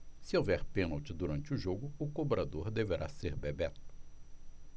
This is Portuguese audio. se houver pênalti durante o jogo o cobrador deverá ser bebeto